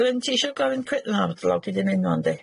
Glyn ti isio gofyn cwi- o ma d law di mynd wan 'ndi?